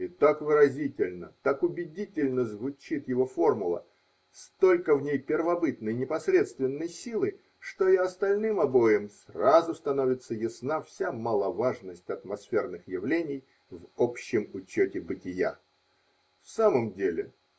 И так выразительно, так убедительно звучит его формула, столько в ней первобытной, непосредственной силы, что и остальным обоим сразу становится ясна вся маловажность атмосферных явлений в общем учете бытия. В самом деле!